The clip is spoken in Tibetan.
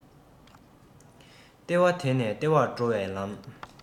ལྟེ བ དེ ནས ལྟེ བར འགྲོ བའི ལམ